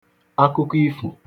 akụkọ ifo